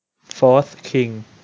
โฟธคิง